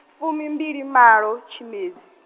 fumimbili malo, tshimedzi.